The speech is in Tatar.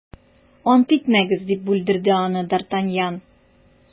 - ант итмәгез, - дип бүлдерде аны д’артаньян.